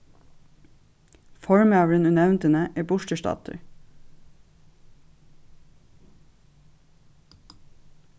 formaðurin í nevndini er burturstaddur